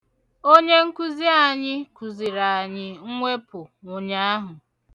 Onye nkuzi anyị kuziri anyi mwepu ụnyaahụ.